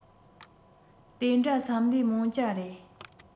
དེ འདྲ བསམ ལེ མོང ཅ རེད